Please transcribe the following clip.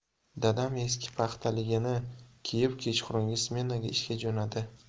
dadam eski paxtaligini kiyib kechqurungi smenaga ishga jo'nadi